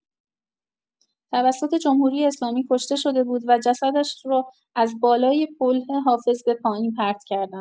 توسط جمهوری‌اسلامی کشته‌شده بود و جسدش رو از بالای پل حافظ به پایین پرت کردند.